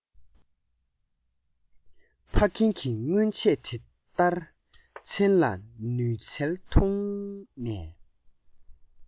ཕ རྒན གྱིས སྔོན ཆད དེ ལྟར མཚན ལ ནུབ འཚལ འཐུང ནས